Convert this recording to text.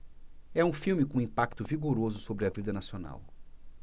é um filme com um impacto vigoroso sobre a vida nacional